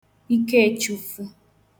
Ikechufu